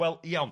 Wel iawn.